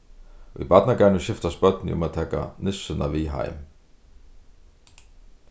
í barnagarðinum skiftast børnini um at taka nissuna við heim